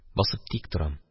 Басып тик торам.